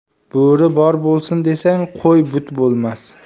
bo'ri bor bo'lsin desang qo'y but bo'lmas